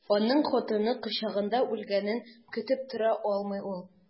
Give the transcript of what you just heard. Аның хатыны кочагында үлгәнен көтеп тора алмый ул.